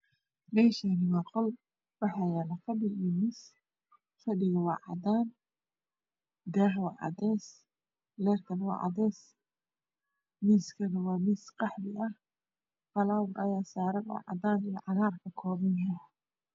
Meeshaani waa qol waxaa yaale fadhiyo iyo miis fadhiga waa cadaan daaha waa cadeys leyrkana waa cadeys miiskana waa miis qaxwi faloor ayaa saaran oo cadaan iyo cagaar ka kooban